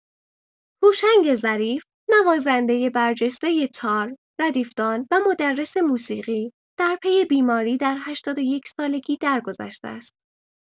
هوشنگ ظریف، نوازنده برجسته تار، ردیفدان و مدرس موسیقی در پی بیماری در ۸۱ سالگی درگذشته است.